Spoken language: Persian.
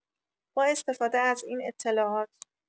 با استفاده از این اطلاعات